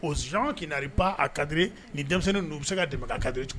Aux gens qui n'arrivent pas à cadrer nin denmisɛnnin ninnu u bɛ se ka dɛmɛ ka cadrer